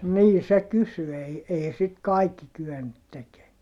niin se kysyi ei ei sitten kaikki kyennyt tekemään